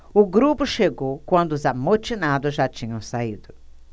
o grupo chegou quando os amotinados já tinham saído